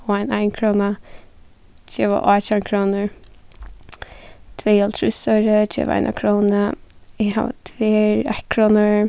og ein einkróna geva átjan krónur tvey hálvtrýssoyru geva eina krónu eg havi tvær eittkrónur